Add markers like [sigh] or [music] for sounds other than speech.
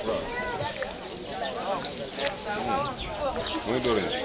waaw [crosstalk] [hesitation] da ngay door a ñëw